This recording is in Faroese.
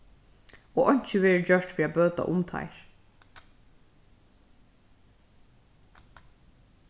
og einki verður gjørt fyri at bøta um teir